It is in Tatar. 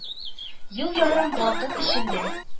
Ел ярым вакыт эчендә